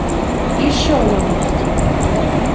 еще новости